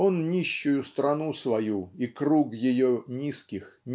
он нищую страну свою и круг ее низких